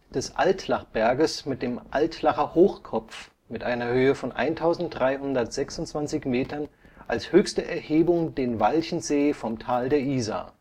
des Altlachberges mit dem Altlacher Hochkopf (1.326 m) als höchste Erhebung den Walchensee vom Tal der Isar